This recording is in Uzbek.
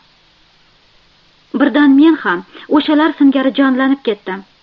birdan men ham o'shalar singari jonlanib ketdim